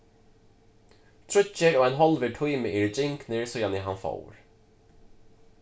tríggir og ein hálvur tími eru gingnir síðani hann fór